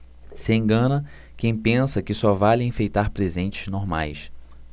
se engana quem pensa que só vale enfeitar presentes normais